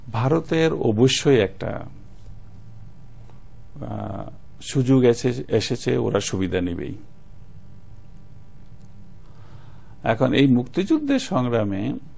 ভারতের অবশ্যই একটা সুযোগ এসেছে ওরা সুবিধা নিবেই এখন এই মুক্তিযুদ্ধের সংগ্রামে